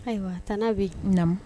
Ayiwa a taara n'a bɛ na